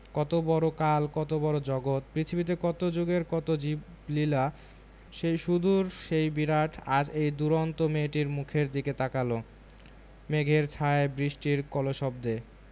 কত বড় কাল কত বড় জগত পৃথিবীতে কত জুগের কত জীবলীলা সেই সুদূর সেই বিরাট আজ এই দুরন্ত মেয়েটির মুখের দিকে তাকাল মেঘের ছায়ায় বৃষ্টির কলশব্দে